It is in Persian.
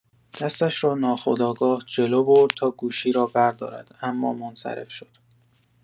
دستش را ناخودآگاه جلو برد تا گوشی را بردارد، اما منصرف شد.